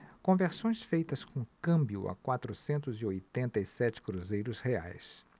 conversões feitas com câmbio a quatrocentos e oitenta e sete cruzeiros reais